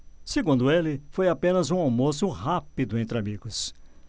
segundo ele foi apenas um almoço rápido entre amigos